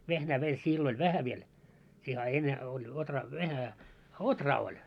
vehnää meillä silloin oli vähän vielä siihen a ennen oli ohraa vähän ohraa oli